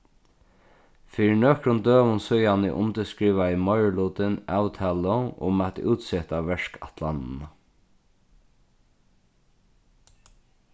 fyri nøkrum døgum síðani undirskrivaði meirilutin avtalu um at útseta verkætlanina